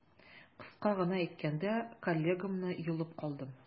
Кыска гына әйткәндә, коллегамны йолып калдым.